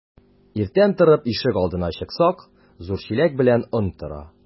Иртән торып ишек алдына чыксак, зур чиләк белән он тора.